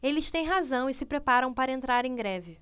eles têm razão e se preparam para entrar em greve